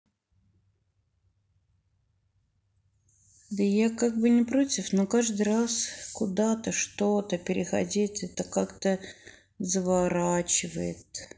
да я как бы не против но каждый раз куда то что то переходить это как то заворачивает